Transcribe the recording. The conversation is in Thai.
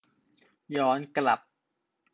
ย้อนกลับ